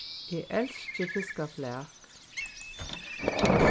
eg elski fiskaflak